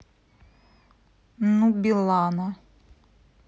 ну билана